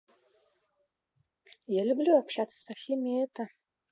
я люблю общаться со всеми это